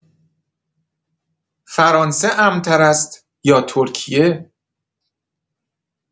فرانسه امن‌تر است یا ترکیه؟